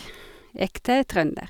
Ekte trønder.